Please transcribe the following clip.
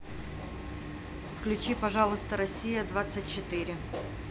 включи пожалуйста россия двадцать четыре